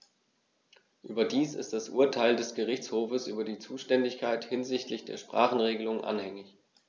Überdies ist das Urteil des Gerichtshofes über die Zuständigkeit hinsichtlich der Sprachenregelung anhängig.